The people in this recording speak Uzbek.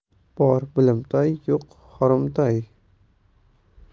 bor bilimtoy yo'q horimtoy